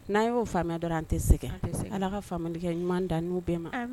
N'a y'o faamuya dɔ an tɛ segin se ala ka faamakɛ ɲuman dan n'u bɛɛ ma